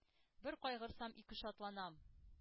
Бер кайгырсам, ике шатланам.